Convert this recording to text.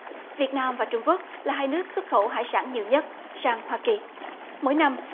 việt nam và trung quốc là hai nước xuất khẩu hải sản nhiều nhất sang hoa kỳ mỗi năm